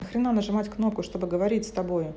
на хрена нажимать кнопку чтобы говорить с тобой